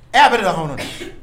Ɛ' aari lak dɛ